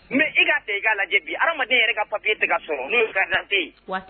Mɛ i ka ta i ka' lajɛ bi adamadamaden yɛrɛ ka papi tigɛ ka sɔrɔ n'o ye ye